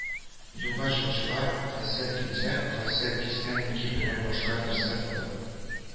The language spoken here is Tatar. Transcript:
Юлга чыгучылар кайсы киңсәк, кайсы кистән яки берәр башка нәрсә тотып